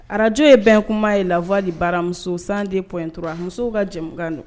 Arajo ye bɛn kuma ye lawa de baramuso san de p dɔrɔn a musow ka jamana don